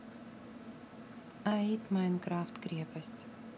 аид майнкрафт крепость